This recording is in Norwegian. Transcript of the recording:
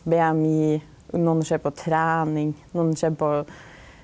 BMI, nokon ser på trening, nokon ser på.